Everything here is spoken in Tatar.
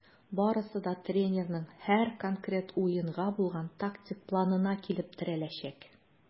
Барысы да тренерның һәр конкрет уенга булган тактик планына килеп терәләчәк.